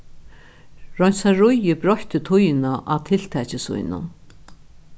reinsaríið broytti tíðina á tiltaki sínum